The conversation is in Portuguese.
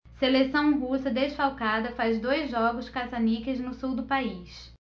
seleção russa desfalcada faz dois jogos caça-níqueis no sul do país